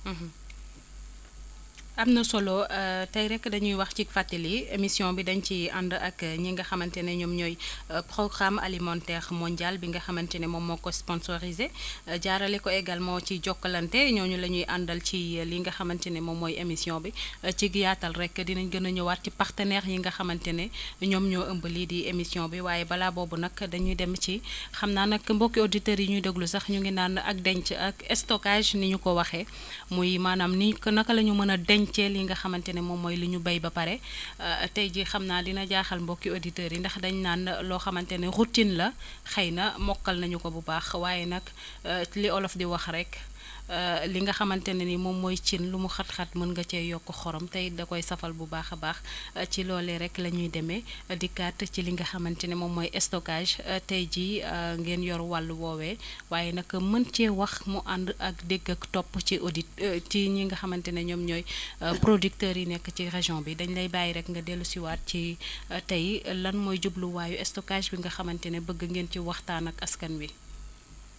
am na solo tey rek dañuy wax ci fàttali émission bi dañ ciy ànd ak ñi nga xamante ni ñoom ñooy programme alimentaire mondiale bi nga xamante ni moom moo ko sponsorisé jaarale ko également ci Jokalante ñooñu la ñuy àndal ci li nga xamante ne moom mooy émission bi cig yaatal rek dinañ gën a ñëwaat ci partenaire yi nga xamante ne ñoom ñoo ëmb lii di émission bi waaye balaa boobu nag dañuy dem ci xam naa nag mbokki auditeurs yi ñuy déglu sax ñu ngi naan ak denc ak stockage ni ñu ko waxee muy maanaam ni naka la ñu mën a dencee lii nga xamante ne moom ooy li ñu béy ba pare tey jii xam naa di na jaaxal mbokki auditeurs yi ndax dañu naan loo xamante ne routine la xëy na mokkal nañu ko bu baax waaye nag li olof di wax rek li nga xamante ni moom mooy cin lu mu xat xat mën nga cee yokku xorom te it da koy safal bu baax a baax ci loolee rek la ñuy demee dikkaat ci li nga xamante ni moom mooy stockage tey jii ngeen yor wàllu woowee waaye nag mën cee wax mu ànd ak dégg ak topp ci audit ci ñi nga xamante ne ñoom ñooy producteurs yi nekk ci région bi dañ lay bàyyi rek nga dellusiwaat citey lan mooy jubluwaayu stockage bi nga xamante ni bëgg ngeen ci waxtaan ak askan wi